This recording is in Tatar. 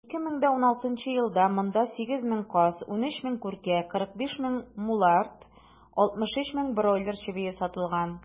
2016 елда монда 8 мең каз, 13 мең күркә, 45 мең мулард, 63 мең бройлер чебие сатылган.